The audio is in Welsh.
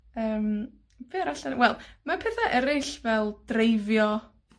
Yym, be' arall 'dan ni... Wel, mae pethe eryll fel dreifio,